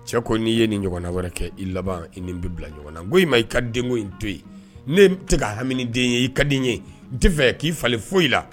Cɛ ko n'i ye nin ɲɔgɔn wɛrɛ kɛ i laban i nin bɛ bila ɲɔgɔn na ko ma i ka den in to yen ne tɛ ka hamiden ye i ka di' ye k'i falen foyi i la